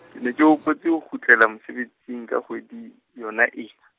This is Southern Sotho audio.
ke ne ke hopotse ho kgutlela mosebetsing ka kgwedi yona ena.